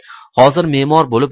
hozir me'mor bo'lib